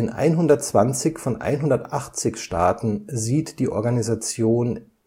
120 von 180 Staaten sieht die Organisation